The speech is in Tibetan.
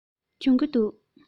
སྦྱོང གི འདུག